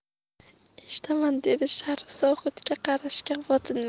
eshitaman dedi sharif zohidga qarashga botinmay